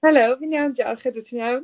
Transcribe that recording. Helo fi'n iawn diolch, ydw, ti'n iawn?